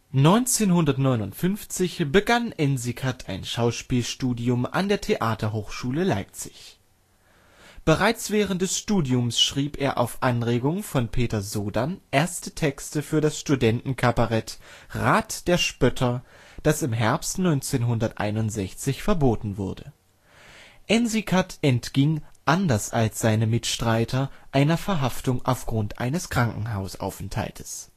1959 begann Ensikat ein Schauspiel-Studium an der Theaterhochschule Leipzig. Bereits während des Studiums schrieb er auf Anregung von Peter Sodann erste Texte für das Studentenkabarett Rat der Spötter, das im Herbst 1961 verboten wurde. Ensikat entging, anders als seine Mitstreiter, einer Verhaftung aufgrund eines Krankenhausaufenthaltes